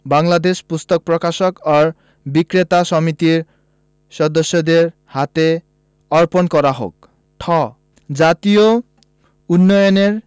বাংলাদেশ পুস্তক প্রকাশক ও বিক্রেতা সমিতির সদস্যদের হাতে অর্পণ করা হোক ঠ জাতীয় উন্নয়নের